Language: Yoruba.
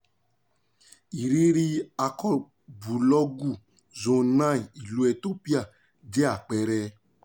Ìrírí akọbúlọ́ọ̀gù Zone9 ìlú Ethiopia jẹ́ àpẹẹrẹ.